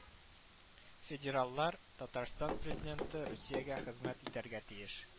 Федераллар: Татарстан президенты Русиягә хезмәт итәргә тиеш